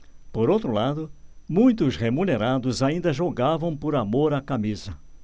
por outro lado muitos remunerados ainda jogavam por amor à camisa